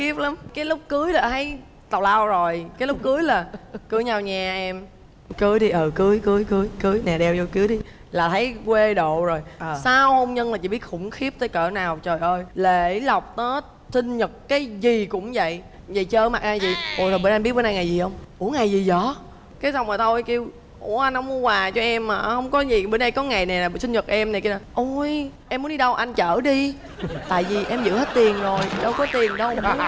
khiếp lắm cái lúc cưới là đã thấy tào lao rồi cái lúc cưới là cưới nhau nhe em cưới đi ờ cưới cưới cưới cưới nè đeo dô cưới đi là thấy quê độ rồi sau hôn nhân là chị biết khủng khiếp tới cỡ nào trời ơi lễ lộc tết sinh nhật cái gì cũng dậy dề trơ cái mặt ai dậy ủa mà anh biết bữa nay ngày gì hông ủa ngày gì dó cái xong rồi thôi kêu ủa anh hổng mua quà cho em hả hông có gì bữa nay có ngày nè là ngày sinh nhật em nè kêu là ôi em muốn đi đâu anh chở đi tại vì em giữ hết tiền rồi đâu có tiền đâu mà mua